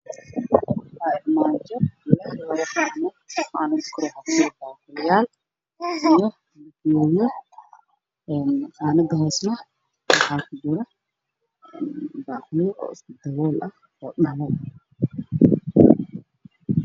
Waa armaajo leh labo qaanadood mida kore waxaa ku jira baaquliyaal iyo mooye qaanada mida hoosana waxaa ku jira baaquli isku dabool ah oo dhalo eh.